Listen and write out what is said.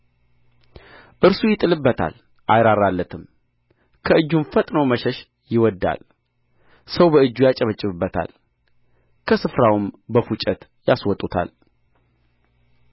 እርሱ ይጥልበታል አይራራለትም ከእጁ ፈጥኖ መሸሽ ይወድዳል ሰው በእጁ ያጨበጭብበታል ከስፍራውም በፉጨት ያስወጡታል